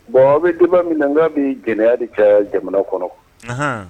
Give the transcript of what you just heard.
Bon a bɛ denba mina n bɛ jɛnɛ de cɛ jamana kɔnɔ